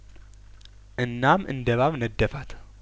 እናም እንደእባብ ነደፋት